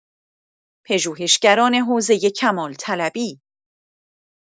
پژوهشگران حوزه کمال‌طلبی